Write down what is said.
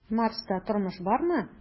"марста тормыш бармы?"